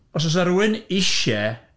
Os oes 'na rywun isie...